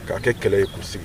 K'a kɛ kɛlɛ ye'u sigi